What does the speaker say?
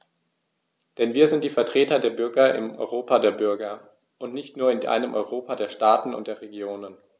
Denn wir sind die Vertreter der Bürger im Europa der Bürger und nicht nur in einem Europa der Staaten und der Regionen.